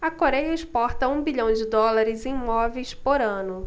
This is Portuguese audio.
a coréia exporta um bilhão de dólares em móveis por ano